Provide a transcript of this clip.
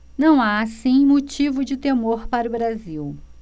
não há assim motivo de temor para o brasil